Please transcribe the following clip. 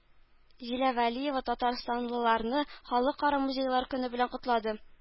Зилә Вәлиева татарстанлыларны Халыкара музейлар көне белән котлады